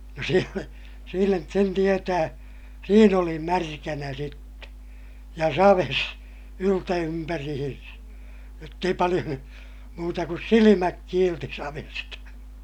no siellä siinä sen tietää siinä oli märkänä sitten ja savessa yltympäriinsä jotta ei paljon muuta kuin silmät kiilsi savesta